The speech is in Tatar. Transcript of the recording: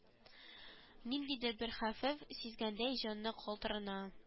Ниндидер бер хәвеф сизгәндәй җаны калтырана